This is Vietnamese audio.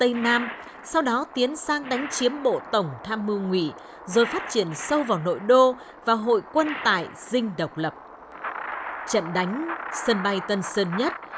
tây nam sau đó tiến sang đánh chiếm bộ tổng tham mưu ngụy rồi phát triển sâu vào nội đô và hội quân tại dinh độc lập trận đánh sân bay tân sơn nhất